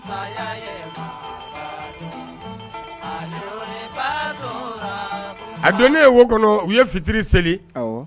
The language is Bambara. ,A donnen wo kɔnɔ u ye fitiri seli, awɔ.